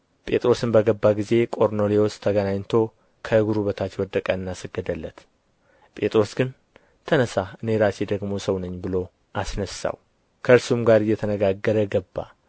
ጴጥሮስም በገባ ጊዜ ቆርኔሌዎስ ተገናኝቶ ከእግሩ በታች ወደቀና ሰገደለት ጴጥሮስ ግን ተነሣ እኔ ራሴ ደግሞ ሰው ነኝ ብሎ አስነሣው ከእርሱም ጋር እየተነጋገረ ገባ